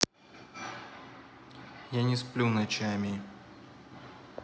я не сплю ночами